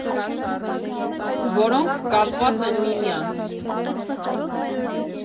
Որոնք կապված են միմյանց։